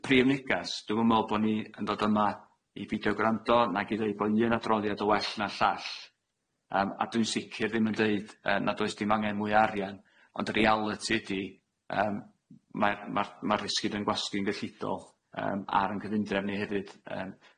So prif neges, dwi'm yn me'wl bo' ni yn dod yma i beidio gwrando nag i ddeud bo' un adroddiad yn well na'r llall, yym a dwi'n sicir ddim yn deud yy nad oes dim angen mwy o arian, ond y realiti ydi yym mae'r ma'r ma'r esgid yn gwasgu'n gyllidol yym ar yn cyfundrefn ni hefyd, yym,